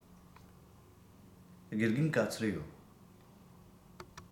དགེ རྒན ག ཚོད ཡོད